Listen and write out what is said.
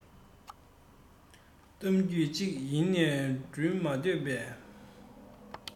གཏམ རྒྱུད ཅིག ཡིད ནས སྒུལ མ འདོད པས